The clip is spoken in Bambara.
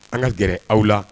An ka gɛrɛ aw la